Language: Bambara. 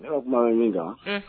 O tuma min kan